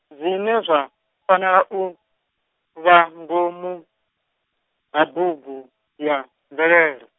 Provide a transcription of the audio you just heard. zwine zwa, fanela u, vha ngomu, ha bugu ya mvelele.